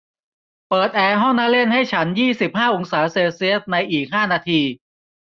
เปิดแอร์ห้องนั่งเล่นให้ฉันยี่สิบห้าองศาเซลเซียสในอีกห้านาที